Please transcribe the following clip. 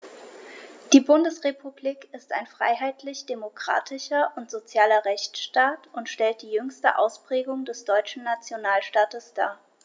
Die Bundesrepublik ist ein freiheitlich-demokratischer und sozialer Rechtsstaat und stellt die jüngste Ausprägung des deutschen Nationalstaates dar.